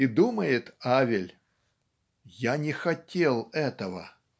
И думает Авель: "Я не хотел этого.